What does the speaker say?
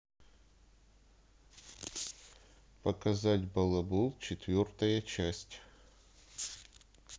показать балабол четвертая часть